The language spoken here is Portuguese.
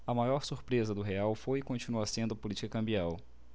a maior surpresa do real foi e continua sendo a política cambial